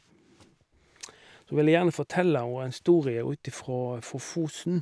Så vil jeg gjerne fortelle o en storie ut ifra fra Fosen.